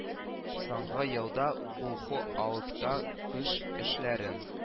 Соңгы елда бу ху алыкта кыш эшләрен